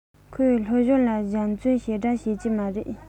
ཁོས སློབ སྦྱོང ལ སྦྱོང བརྩོན ཞེ དྲགས བྱེད ཀྱི མ རེད